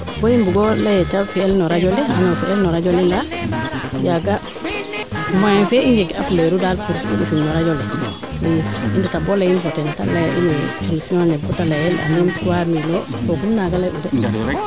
bo mbugo leyee te fiyel no radio le a annoncé el no radio le ndaa yaaga moyen fee i njeg a fuleeru daal pour i mbisin no radio le i i ndeta bo leyin fo ten te leeya ine emission ne bata leyel andiim trois mille o foogum naaga ley'u de